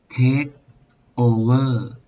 เทคโอเวอร์